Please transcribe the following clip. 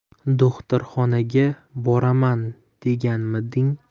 do'xtirxonaga boraman deganmiding